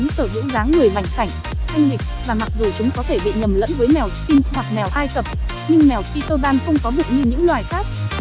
chúng sở hữu dáng người mảnh khảnh thanh lịch và mặc dù chúng có thể bị nhầm lẫn với mèo sphinxes hoặc mèo ai cập nhưng mèo peterbald không có bụng như những loài khác